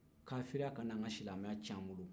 kafiriya kana naa an ka silamɛya tiɲ'an bolo